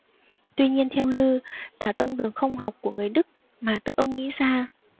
tuy nhiên theo lư tả tông đường không học của người đức mà tự ông nghĩ ra